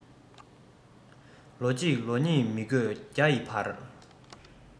ལོ གཅིག ལོ གཉིས མི དགོས བརྒྱ ཡི བར